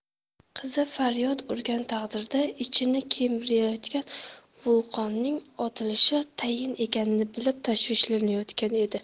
qizi faryod urgan taqdirda ichini kemirayotgan vulqonning otilishi tayin ekanini bilib tashvishlanayotgan edi